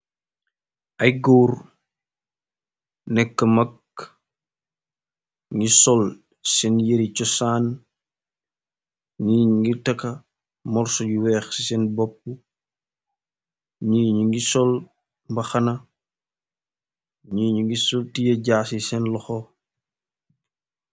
ay góur nekk magg ngi sol seen yari cosaan iñu ngir tëka morso yu weex ci seen bopp niy ñu ngi sol mba xana ni ñu ngi so tiye jaasi seen loxo